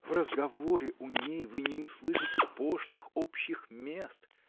– В разговоре у ней вы не услышите пошлых общих мест.